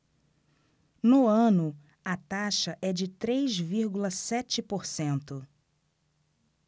no ano a taxa é de três vírgula sete por cento